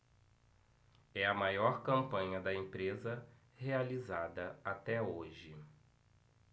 é a maior campanha da empresa realizada até hoje